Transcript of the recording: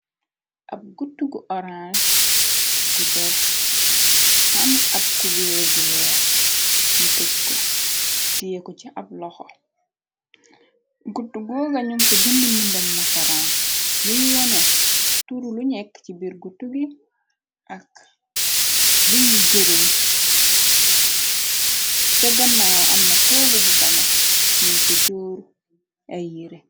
Ab gut gu orance gu def xan ab ku weer gu weex ñu tëj ko tieko ci ab loxo gutu goga ñum fa bindi mbindem na saraan nuñ wone turu lu ñekk ci biir gutu gi ak lu ngiy jëriñ ca gannaaw amna toog bufane ñum fa jóor ay yire.